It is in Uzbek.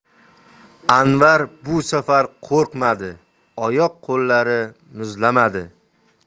anvar bu safar qo'rqmadi oyoq qo'llari muzlamadi